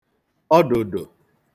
ọdụ̀dụ̀